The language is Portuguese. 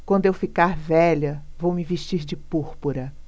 quando eu ficar velha vou me vestir de púrpura